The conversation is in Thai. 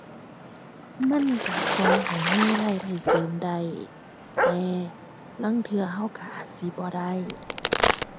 มันก็ก็ให้มีรายได้เสริมได้ แต่ลางเทื่อก็ก็อาจสิบ่ได้